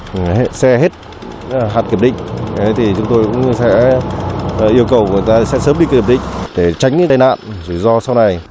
xe hết hạn kiểm định thế thì chúng tôi cũng sẽ yêu cầu người ta sẽ sớm đi kiểm định để tránh gây tai nạn rủi ro sau này